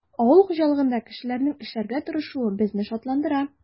Авыл хуҗалыгында кешеләрнең эшләргә тырышуы безне шатландыра.